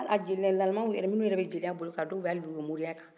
ali a jeli lama kɔni minun bɛ jeliya kan u dɔw bɛye u bɛ moriya kan